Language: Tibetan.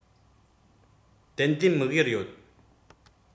ཏན ཏན དམིགས ཡུལ ཡོད